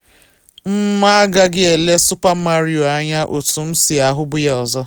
M, agaghị ele Super Mario anya otu m si ahụbu ya ọzọ.